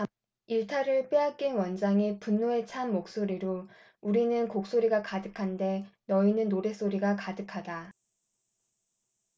일타를 빼앗긴 원장이 분노에 찬 목소리로 우리는 곡소리가 가득한데 너희는 노랫소리가 가득하다